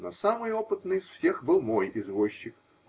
Но самый опытный из всех был мой извозчик.